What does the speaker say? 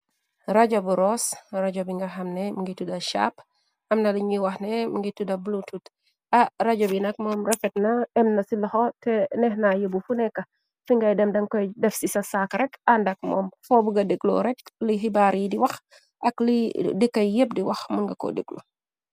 Rajo bu ross rajo bi nga xamne m ngirtu da chap amna liñuy waxne mngirtu da blu tot rajo bi nak moom rofet na inna ci loxo te neexna yebu funeeka fi ngay dem den koy def ci sa saak rekk àndak moom foobu ga dëglu rekk li xibaar yi di wax ak di kay yépp di wax mu nga ko deglu.